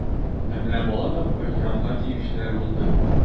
Ә менә бала тапкач, җанга тиючеләр булды.